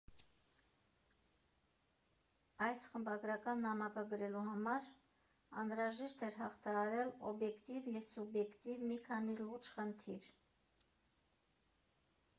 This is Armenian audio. Այս խմբագրական նամակը գրելու համար անհրաժեշտ էր հաղթահարել օբյեկտիվ և սուբյեկտիվ մի քանի լուրջ խնդիր։